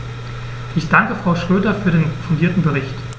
Ich danke Frau Schroedter für den fundierten Bericht.